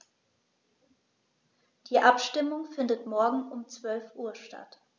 Die Abstimmung findet morgen um 12.00 Uhr statt.